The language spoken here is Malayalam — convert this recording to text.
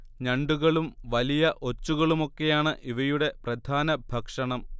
ഞണ്ടുകളും വലിയ ഒച്ചുകളുമൊക്കെയാണ് ഇവയുടെ പ്രധാന ഭക്ഷണം